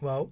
waaw